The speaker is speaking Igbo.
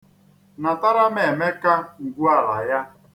Natara m Emeka ngwuala ya.